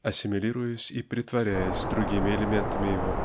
ассимилируясь и претворяясь с другими элементами его